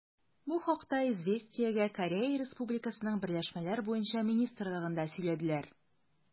Бу хакта «Известия»гә Корея Республикасының берләшмәләр буенча министрлыгында сөйләделәр.